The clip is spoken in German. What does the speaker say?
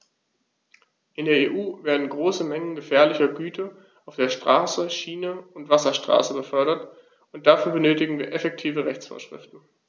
In der EU werden große Mengen gefährlicher Güter auf der Straße, Schiene und Wasserstraße befördert, und dafür benötigen wir effektive Rechtsvorschriften.